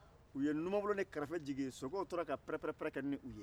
u ye numanbolo ni karafe jigin sokɛw tora ka pɛrɛ-pɛrɛ-pɛrɛ kɛ n'u ye